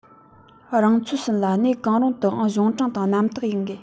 རང ཚོད ཟིན ལ གནས གང རུང དུའང གཞུང དྲང དང རྣམ དག ཡིན དགོས